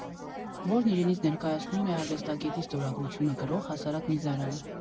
Որն իրենից ներկայացնում է արվեստագետի ստորագրությունը կրող հասարակ միզարան։